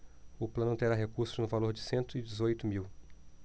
o plano terá recursos no valor de cento e dezoito mil